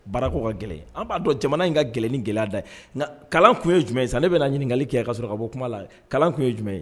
Barakɔ ka gɛlɛn an b'a dɔn jamana in ka gɛlɛn ni gɛlɛya da nka kalan tun ye jumɛn ye sa ne bɛna ɲininka kali kɛ a kaa sɔrɔ ka bɔ kuma kalan tun ye jumɛn ye